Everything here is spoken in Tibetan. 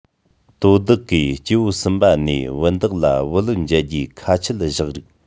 དོ བདག གིས སྐྱེ བོ གསུམ པ ནས བུན བདག ལ བུ ལོན འཇལ རྒྱུའི ཁ ཆད བཞག རིགས